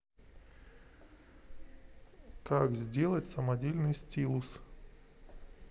как сделать самодельный стилус